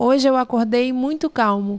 hoje eu acordei muito calmo